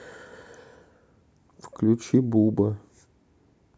включи буба